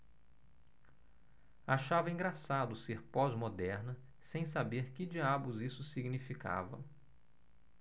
achava engraçado ser pós-moderna sem saber que diabos isso significava